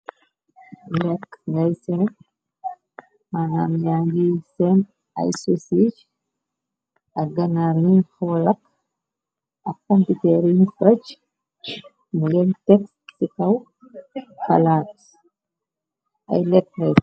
Lekk ngay seen mënam ya ngay seen ay sosiege ak ganaar yun hoolak ak pomputëerin tëch nung leen tek ci kaw palaats ay lekk.